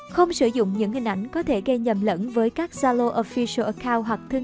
không sử dụng những hình ảnh có thể gây nhầm lẫn với các zalo official account hoặc thương hiệu khác